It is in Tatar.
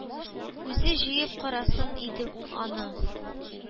Үзе җыеп карасын иде ул аны.